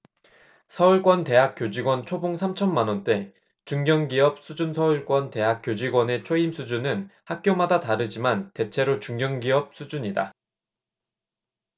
서울권 대학 교직원 초봉 삼 천만원대 중견기업 수준서울권 대학 교직원의 초임 수준은 학교마다 다르지만 대체로 중견기업 수준이다